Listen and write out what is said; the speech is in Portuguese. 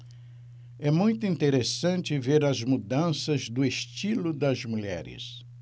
é muito interessante ver as mudanças do estilo das mulheres